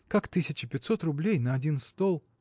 как, тысяча пятьсот рублей на один стол.